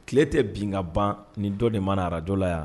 Tile tɛ bin ka ban nin dɔ de mana arajjɔ la yan